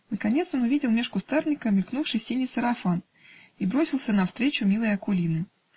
наконец он увидел меж кустарника мелькнувший синий сарафан и бросился навстречу милой Акулины.